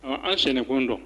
Ɔ an sɛnɛ ko dɔn